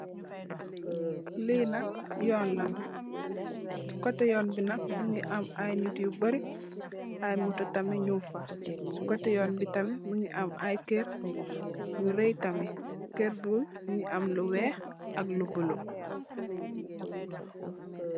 Lii nak yon la, cii coteh yon bii nak mungy am aiiy nitt yu bari, aiiy motor tamit njung fa, cii coteh yon bii tamit mungy am aiiy kerr yu reii tamit, kerr bii mungy am lu wekh ak lu bleu.